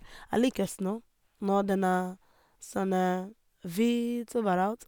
Jeg liker snø når den er sånn hvit overalt.